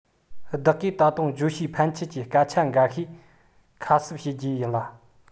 བདག གིས ད དུང བརྗོད བྱའི ཕན ཆད ཀྱི སྐད ཆ འགའ ཁ གསབ བྱེད རྒྱུ ཡིན ལ